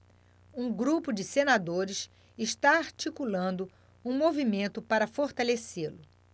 um grupo de senadores está articulando um movimento para fortalecê-lo